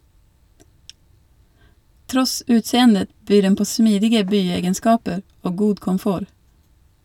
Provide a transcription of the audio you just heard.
Tross utseendet byr den på smidige byegenskaper og god komfort.